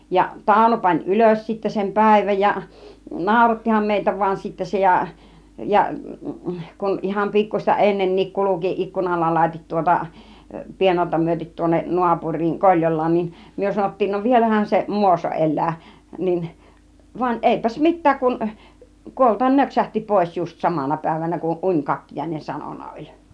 ja Tauno pani ylös sitten sen päivän ja naurattihan meitä vain sitten se ja ja kun ihan pikkuista ennenkin kulki ikkunan alitse tuota piennarta myöti tuonne naapuriin Koljolaan niin me sanottiin no vielähän se Muoso elää niin vaan eipäs mitään kun kuolla nöksähti pois just samana päivänä kun unikakkiainen sanonut - oli